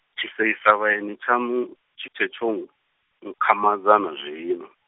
tshiseisavhaeni tshaṋu tshe tshe tsho nkhamadza- na zwino.